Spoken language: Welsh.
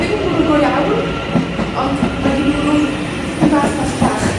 ddim yn bwrw go iawn, ond mae hi'n bwrw dipyn bach bach bach.